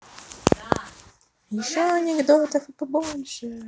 еще анекдотов и побольше